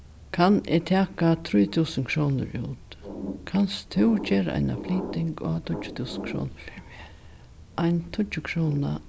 kann eg taka trý túsund krónur út kanst tú gera ein flyting á tíggju túsund krónur fyri meg ein tíggjukróna